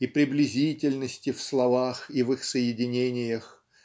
и приблизительности в словах и в их соединениях